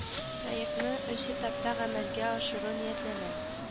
Проектны өч этапта гамәлгә ашыру ниятләнә